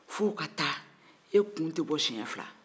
fo ka taa e kun tɛ bɔ siɲɛ fila